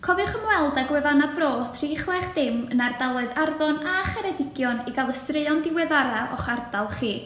Cofiwch ymweld â Gwefannau Bro tri chwech dim yn ardaloedd Arfon a Cheredigion i gael y straeon diweddara o'ch ardal chi.